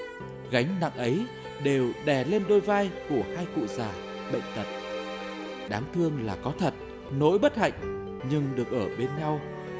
gánh nặng ấy đều đè lên đôi vai của hai cụ già bệnh tật đáng thương là có thật nỗi bất hạnh nhưng được ở bên nhau